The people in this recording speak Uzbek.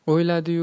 o'yladi yu